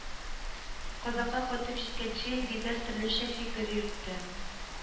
Казанга кайтып җиткәнче илгизәр төрлечә фикер йөртте